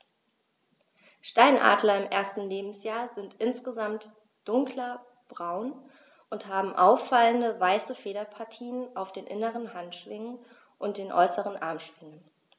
Steinadler im ersten Lebensjahr sind insgesamt dunkler braun und haben auffallende, weiße Federpartien auf den inneren Handschwingen und den äußeren Armschwingen.